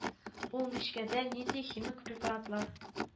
Ул мичкәдә нинди химик препаратлар